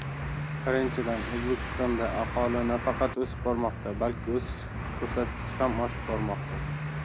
birinchidan o'zbekistonda aholi nafaqat o'sib bormoqda balki o'sish ko'rsatkichi ham oshib bormoqda